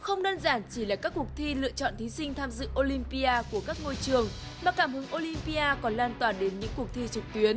không đơn giản chỉ là các cuộc thi lựa chọn thí sinh tham dự ô lim pi a của các ngôi trường mà cảm hứng ô lim pi a còn lan tỏa đến những cuộc thi trực tuyến